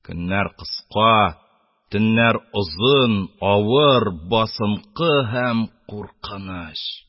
Көннәр кыска, төннәр озын авыр, басынкы һәм куркыныч.